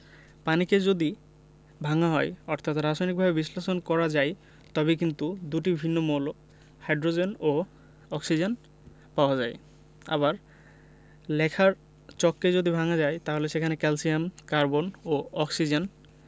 পানিকে যদি ভাঙা হয় অর্থাৎ রাসায়নিকভাবে বিশ্লেষণ করা যায় তবে কিন্তু দুটি ভিন্ন মৌল হাইড্রোজেন ও অক্সিজেন পাওয়া যায় আবার লেখার চককে যদি ভাঙা যায় তাহলে সেখানে ক্যালসিয়াম কার্বন ও অক্সিজেন